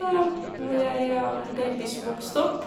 Hvor jeg er delvis vokst opp.